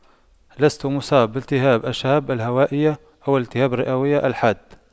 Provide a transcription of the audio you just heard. لست مصاب بالتهاب الشعب الهوائية او التهاب رئوية الحاد